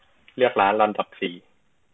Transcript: เลือกร้านลำดับสี่